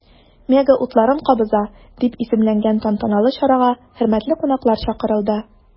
“мега утларын кабыза” дип исемләнгән тантаналы чарага хөрмәтле кунаклар чакырылды.